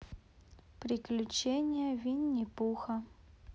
приключения винни пуха